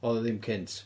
Oedd o ddim cynt.